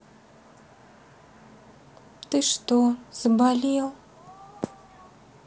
ты что заболел